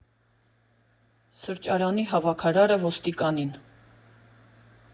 Սրճարանի հավաքարարը՝ ոստիկանին.